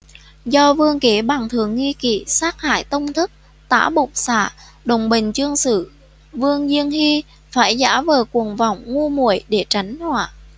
do vương kế bằng thường nghi kị sát hại tông thất tả bộc xạ đồng bình chương sự vương diên hy phải giả vờ cuồng vọng ngu muội để tránh họa